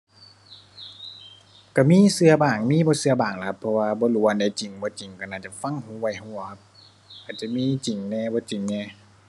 ก็มีก็บ้าง มีบ่ก็บ้างล่ะครับ เพราะว่าบ่รู้ว่าอันใดจริงบ่จริง ก็น่าจะฟังหูไว้หูอะครับ อาจจะมีจริงแหน่บ่จริงแหน่